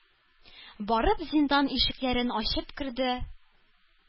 Барып зиндан ишекләрен ачып керде,